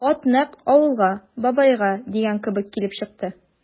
Хат нәкъ «Авылга, бабайга» дигән кебек килеп чыкты.